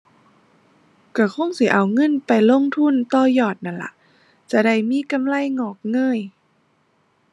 ก็คงสิเอาเงินไปลงทุนต่อยอดนั่นล่ะ จะได้มีกำไรงอกเงย